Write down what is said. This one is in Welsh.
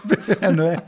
Beth yw enw e?